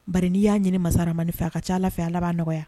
Ba n'i y'a ɲini masara manin fɛ a ka ca a lafi fɛ a ala b'a nɔgɔyaya